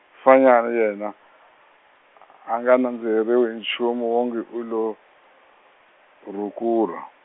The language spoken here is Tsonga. fanyana yena , anga nandziheriwi hi nchumu wongi u lo, rhukurha.